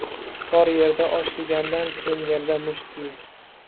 tor yerda osh yegandan keng yerda musht ye